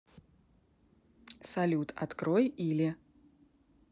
салют открой или